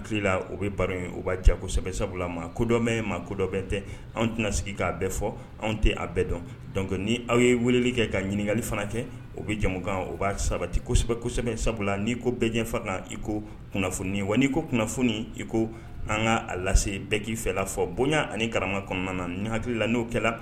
Bɛn tɛ anw tɛna sigi k'a bɛɛ fɔ anw tɛ bɛɛ dɔnc ni aw ye weleli kɛ ka ɲininkali fana kɛ o bɛ jamu kan o b'a sabati kosɛbɛ kosɛbɛ sabula n'i ko bɛɛjɛfa kan iko kunnafoni ye wa ni ko kunnafoni i ko an ka a lase bɛɛ k' fɛ fɔ bonya ani kara kɔnɔna na ni hakili la n'o kɛra